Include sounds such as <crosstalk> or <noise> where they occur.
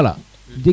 <hesitation> <hesitation>